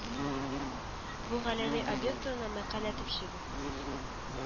Бу галәми объект турында мәкалә төпчеге